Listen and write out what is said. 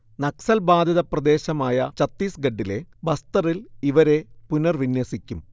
നക്സൽബാധിത പ്രദേശമായ ഛത്തീസ്ഗഢിലെ ബസ്തറിൽ ഇവരെ പുനർവിന്യസിക്കും